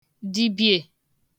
dibiè